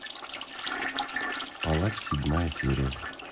палач седьмая серия